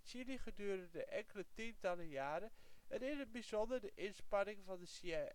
Chili gedurende enkele tientallen jaren, en in het bijzonder de inspanningen van de CIA